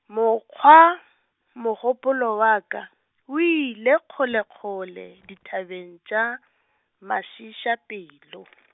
mokgwa mogopolo wa ka, o ile kgolekgole dithabeng tša, mašiišapelo.